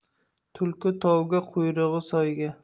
tulki tovga quyrug'i soyga